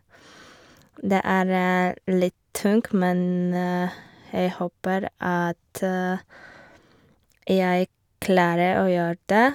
Det er litt tungt, men jeg håper at jeg klarer å gjøre det.